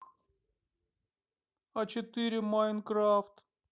а четыре майнкрафт